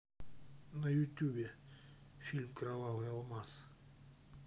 в ютубе фильм кровавый алмаз